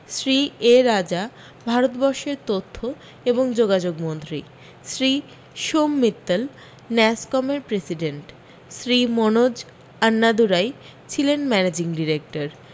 Shri A Raja ভারতবর্ষের তথ্য এবং যোগাযোগ মন্ত্রী শ্রী সোম মিত্তল ন্যাসকমের প্রেসিডেন্ট শ্রী মনোজ আন্নাদুরাই ছিলেন ম্যানেজিং ডিরেকটর